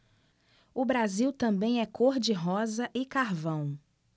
o brasil também é cor de rosa e carvão